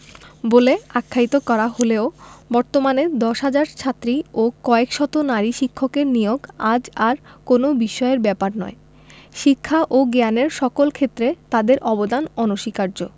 বলে আখ্যায়িত করা হলেও বর্তমানে ১০ হাজার ছাত্রী ও কয়েক শত নারী শিক্ষকের নিয়োগ আজ আর কোনো বিস্ময়ের ব্যাপার নয় শিক্ষা ও জ্ঞানের সকল ক্ষেত্রে তাদের অবদান অনস্বীকার্য